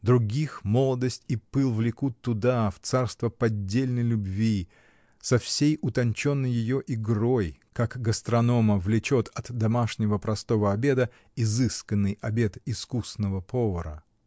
Других молодость и пыл влекут туда, в царство поддельной любви, со всей утонченной ее игрой, как гастронома влечет от домашнего простого обеда изысканный обед искусного повара.